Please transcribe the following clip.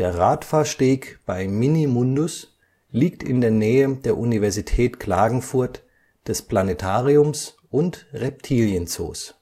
Radfahrsteg bei Minimundus liegt in der Nähe der Universität Klagenfurt, des Planetariums und Reptilienzoos